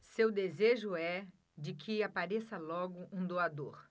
seu desejo é de que apareça logo um doador